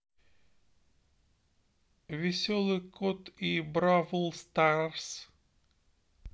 веселый кот в бравл старс